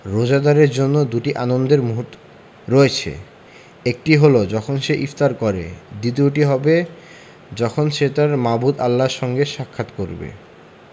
রোজাদারের জন্য দুটি আনন্দের মুহূর্ত রয়েছে একটি হলো যখন সে ইফতার করে দ্বিতীয়টি হবে যখন সে তাঁর মাবুদ আল্লাহর সঙ্গে সাক্ষাৎ করবে